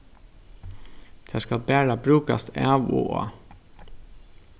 tað skal bara brúkast av og á